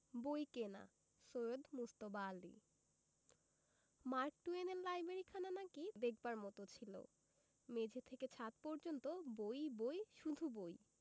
বইকেনা Syed Mujtaba Ali Mark টুয়েনের লাইব্রেরিখানা নাকি দেখবার মত ছিল মেঝে থেকে ছাত পর্যন্ত বই বই শুধু বই